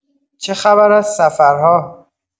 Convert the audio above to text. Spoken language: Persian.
چه خبر از سفرها؟